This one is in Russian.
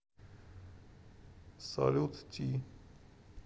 salut т